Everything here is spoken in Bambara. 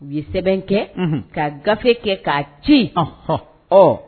U ye sɛbɛn kɛ ka gafe kɛ k'a tiɲɛ h